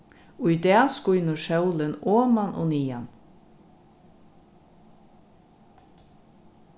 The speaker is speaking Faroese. í dag skínur sólin oman og niðan